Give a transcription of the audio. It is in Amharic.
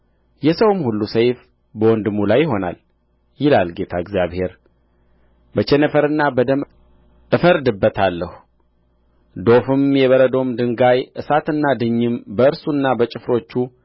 የሰውም ሁሉ ሰይፍ በወንድሙ ላይ ይሆናል ይላል ጌታ እግዚአብሔር በቸነፈርና በደም እፈርድበታለሁ ዶፍም የበረዶም ድንጋይ እሳትና ድኝም በእርሱና በጭፍሮቹ